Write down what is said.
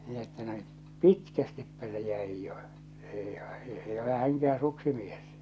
minä että no pitkästipä se jäi jo ei ei ole hänkään suksimies